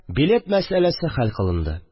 Билет мәсьәләсе хәл кылынды